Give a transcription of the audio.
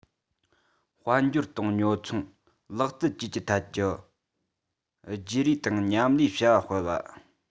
དཔལ འབྱོར དང ཉོ ཚོང ལག རྩལ བཅས ཐད ཀྱི བརྗེ རེས དང མཉམ ལས བྱ བ སྤེལ བ